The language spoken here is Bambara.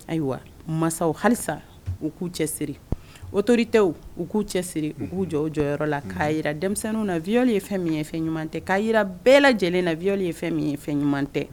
Ayiwa mansaw halisa u k'u cɛsiri autorités u k'u cɛsiri u k'u jɔ u jɔyɔrɔ la k'a jira denmisɛnninw na viol ye fɛn min ye fɛn ɲuman tɛ k'a jira bɛɛ lajɛlen na viol ye fɛn min ye fɛn ɲuman tɛ